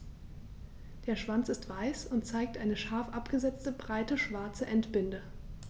Der Schwanz ist weiß und zeigt eine scharf abgesetzte, breite schwarze Endbinde.